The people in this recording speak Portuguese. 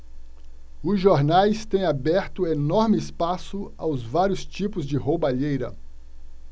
os jornais têm aberto enorme espaço aos vários tipos de roubalheira